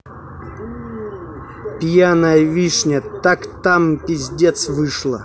пьяная вишня так там пиздец вышла